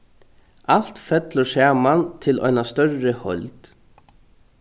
alt fellur saman til eina størri heild